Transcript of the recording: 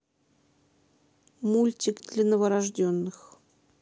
мультик для новорожденных